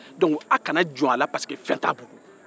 a' kana jɔn a la pariseke fen t'a bolo